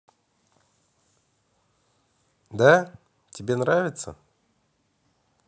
да тебе нравится